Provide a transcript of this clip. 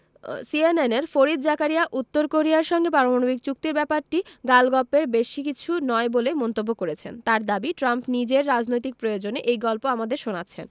সিএনএনের ফরিদ জাকারিয়া উত্তর কোরিয়ার সঙ্গে পারমাণবিক চুক্তির ব্যাপারটি গালগপ্পের বেশি কিছু নয় বলে মন্তব্য করেছেন তাঁর দাবি ট্রাম্প নিজের রাজনৈতিক প্রয়োজনে এই গল্প আমাদের শোনাচ্ছেন